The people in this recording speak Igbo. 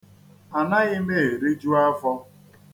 Anaghị m eriju afọ.